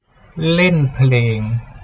เล่นเพลง